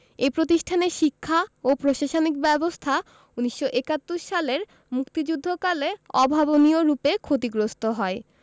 এ প্রতিষ্ঠানের শিক্ষা ও প্রশাসনিক ব্যবস্থা ১৯৭১ সালের মুক্তিযুদ্ধকালে অভাবনীয়রূপে ক্ষতিগ্রস্ত হয়